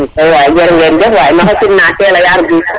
ay waay jeregen jef waay maxey simna a yaal mbin